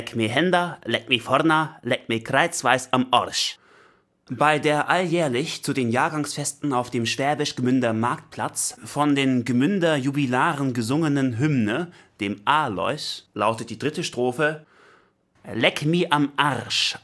me henda, leck me vorna, leck me kreizweis am Arsch “Bei der alljährlich zu den Jahrgangsfesten auf dem Schwäbisch Gmünder Marktplatz von den Gmünder Jubilaren gesungenen Hymne, dem „ Alois “, lautet die dritte Strophe: „ Leck mi am Arsch